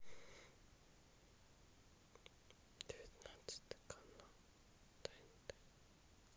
девятнадцатый канал тнт